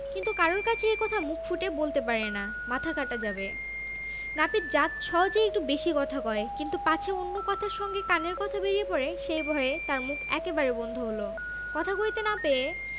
কিন্তু কারুর কাছে এ কথা মুখ ফুটে বলতে পারে না মাথা কাটা যাবে নাপিত জাত সহজে একটু বেশী কথা কয় কিন্তু পাছে অন্য কথার সঙ্গে কানের কথা বেরিয়ে পড়ে সেই ভয়ে তার মুখ একেবারে বন্ধ হল কথা কইতে না পেয়ে